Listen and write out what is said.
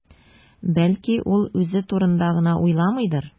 Бәлки, ул үзе турында гына уйламыйдыр?